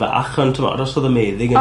...fach ond t'mod os odd y meddyg yn...